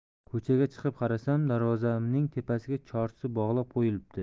ko'chaga chiqib qarasam darvozamning tepasiga chorsi bog'lab qo'yilibdi